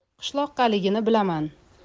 qishloqqaligini bilaman